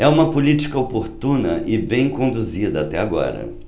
é uma política oportuna e bem conduzida até agora